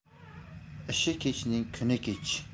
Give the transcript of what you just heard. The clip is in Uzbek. ishi kechning kuni kech